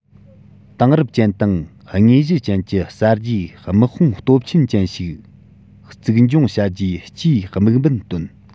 དེང རབས ཅན དང དངོས གཞི ཅན གྱི གསར བརྗེའི དམག དཔུང སྟོབས ལྡན ཅན ཞིག འཛུགས སྐྱོང བྱ རྒྱུའི སྤྱིའི དམིགས འབེན བཏོན